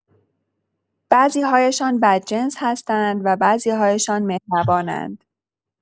بعضی‌هایشان بدجنس هستند و بعضی‌هایشان مهربانند.